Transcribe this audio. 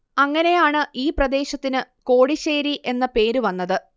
അങ്ങനെയാണ് ഈ പ്രദേശത്തിന് കോടിശ്ശേരി എന്ന പേര് വന്നത്